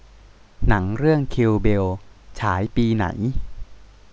หนังเรื่องคิลบิลฉายปีไหน